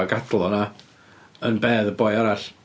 A gadael o 'na yn bedd y boi arall.